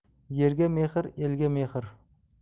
yerga mehr elga mehr